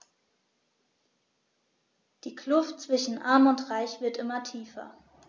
Die Kluft zwischen Arm und Reich wird immer tiefer.